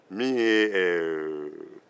inaubible